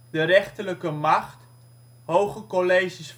de rechterlijke macht, Hoge Colleges